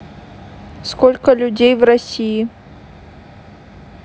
сколько людей в россии